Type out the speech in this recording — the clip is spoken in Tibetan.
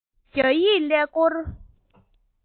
རྒྱ ཡིག ཀླད ཀོར